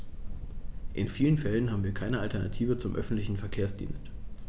In vielen Fällen haben wir keine Alternative zum öffentlichen Verkehrsdienst.